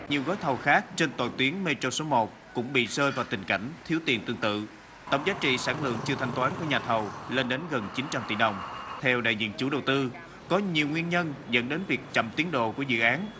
nhiều gói thầu khác trên toàn tuyến mê trô số một cũng bị rơi vào tình cảnh thiếu tiền tương tự tổng giá trị sản lượng chưa thanh toán của nhà thầu lên đến gần chín trăm tỷ đồng theo đại diện chủ đầu tư có nhiều nguyên nhân dẫn đến việc chậm tiến độ của dự án